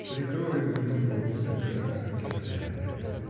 прикрою нимфу и сатира гирляндой.